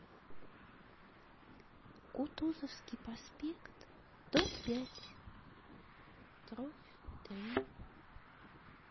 кутузовский проспект дом пять дробь три